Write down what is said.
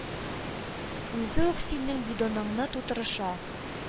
Үзе үк синең бидоныңны тутырыша.